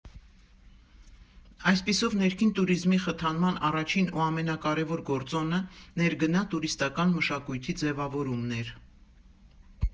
Այսպիսով ներքին տուրիզմի խթանման առաջին ու ամենակարևոր գործոնը ներգնա տուրիստական մշակույթի ձևավորումն էր։